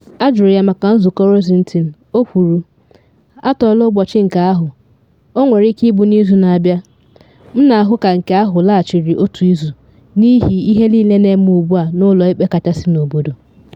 Ajụrụ ya maka nzụkọ Rosentein, o kwuru: “Atọọla ụbọchị maka nke ahụ, ọ nwere ike ịbụ n’izu na abịa, m na ahụ ka nke ahụ laghachiri otu izu n’ihi ihe niile na eme ugbu a na ụlọ ikpe kachasị n’obodo.